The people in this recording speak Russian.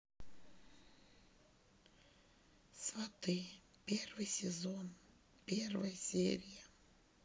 сваты первый сезон первая серия